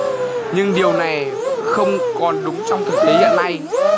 nhưng điều này không còn đúng trong thực tế hiện nay